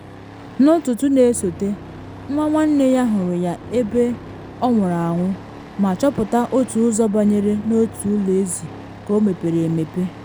N’ụtụtụ na esote, nwa nwanne ya hụrụ ya ebe ọ nwụrụ anwụ, ma chọpụta otu ụzọ banyere n’otu ụlọ ezi ka ọ mepere emepe.